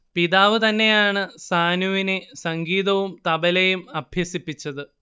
പിതാവ് തന്നെയാണ് സാനുവിനെ സംഗീതവും തബലയും അഭ്യസിപ്പിച്ചത്